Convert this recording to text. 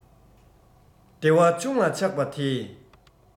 བདེ བ ཆུང ལ ཆགས པ དེས